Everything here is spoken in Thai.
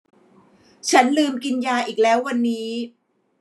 ฉันลืมกินยาอีกแล้ววันนี้